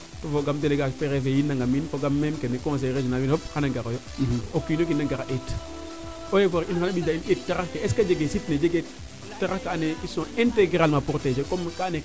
toi fogam delegation prefet yiin nangam miim fop xana ngaro yo o kiino kiina a gara ndeet eaux et foret xana mbisida in i ndeet taxar ke est que jege sik taxar kaa ando naye ils sont integralement proteger comme kaa ando naye